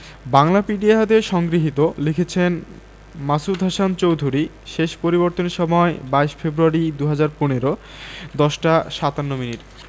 বাংলাপিডিয়া থেকে সংগৃহীত লিখেছেন মাসুদ হাসান চৌধুরী শেষ পরিবর্তনের সময় ২২ ফেব্রুয়ারি ২০১৫ ১০ টা ৫৭ মিনিট